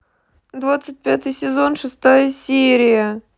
двадцать пятый сезон шестая серия